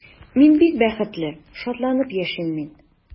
Мин бик бәхетле, шатланып яшим мин.